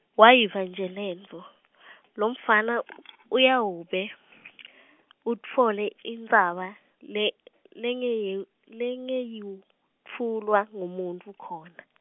Wayiva nje lentfo , lomfana uyawube utfole intsaba le lengeyu- langeyutfulwa ngumuntfu khona.